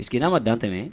Misi a ma dantɛnɛn